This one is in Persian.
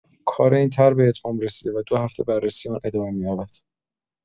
کار این طرح به اتمام رسیده و دو هفته بررسی آن ادامه می‌یابد.